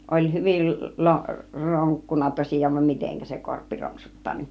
oli hyvin - ronkkunut tosiaan vaan miten se korppi ronksuttaa niin